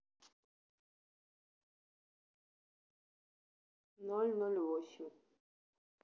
ноль ноль восемь